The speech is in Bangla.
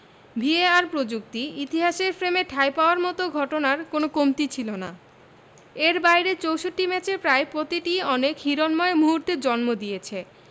ভিএআর প্রযুক্তি ইতিহাসের ফ্রেমে ঠাঁই পাওয়ার মতো ঘটনার কোনো কমতি ছিল না এর বাইরে ৬৪ ম্যাচের প্রায় প্রতিটিই অনেক হিরণ্ময় মুহূর্তের জন্ম দিয়েছে